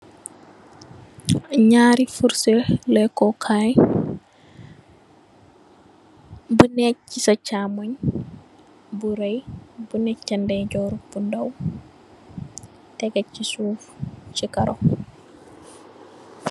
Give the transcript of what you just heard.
Ñaari furse lèku kay bu neh ci sa camooy bu ray, bu neh ci sa ndayjoor bu ndaw tegeh ci suuf ci karó.